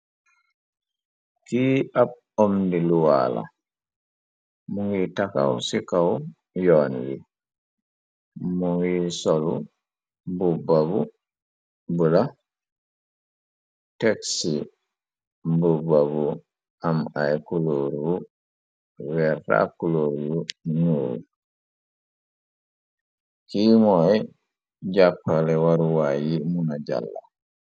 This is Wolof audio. ki ab amnni luwaala mu ngiy taxaw ci kaw yoon wi mu ngi solu bubbabu bu la texci bubbabu am ay kulooru werràkuloor yu nuur ki mooy jàppale waruwaa yi muna jàlla